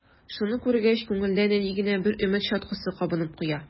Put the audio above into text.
Шуны күргәч, күңелдә нәни генә бер өмет чаткысы кабынып куя.